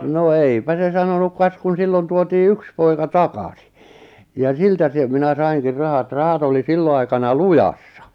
no eipä se sanonut kas kun silloin tuotiin yksi poika takasin ja siltä se minä sainkin rahat rahat oli silloin aikana lujassa